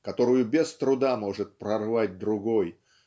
которую без труда может прорвать другой